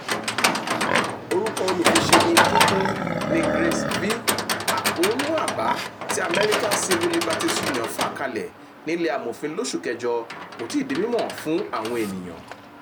Orúkọ olúfiṣe ní kíkún ni Grace v. Àkóónú àbá tí American Civil Liberties Union fà kalẹ̀ nílé amòfin lóṣù kẹjọ kò ti di mímọ̀ fún àwọn ènìyàn.